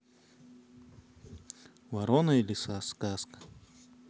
ворона и лиса сказка